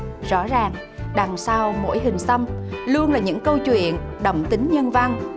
rõ ràng đằng sau mỗi hình xăm luôn là những câu chuyện đậm tính nhân văn